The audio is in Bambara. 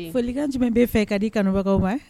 Folikan jumɛn b bɛ fɛ k ka di kanubagaw wa